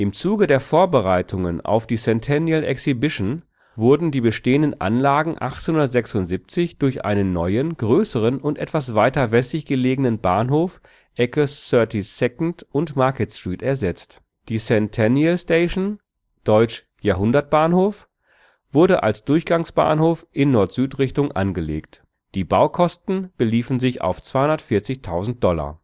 Zuge der Vorbereitungen auf die Centennial Exhibition wurden die bestehenden Anlagen 1876 durch einen neuen, größeren und etwas weiter westlich gelegenen Bahnhof Ecke 32nd und Market Street ersetzt. Die Centennial Station (deutsch: Jahrhundertbahnhof) wurde als Durchgangsbahnhof in Nord-Süd-Richtung angelegt. Die Baukosten beliefen sich auf 240.000 Dollar